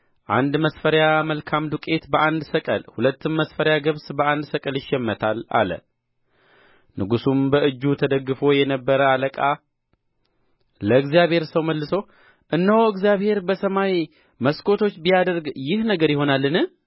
አንድ መስፈሪያ መልካም ዱቄት በአንድ ሰቅል ሁለትም መስፈሪያ ገብስ በአንድ ሰቅል ይሸመታል አለ ንጉሡም በእጁ ተደግፎ የነበረ አለቃ ለእግዚአብሔር ሰው መልሶ እነሆ እግዚአብሔር በሰማይ መስኮቶች ቢያደርግ ይህ ነገር ይሆናልን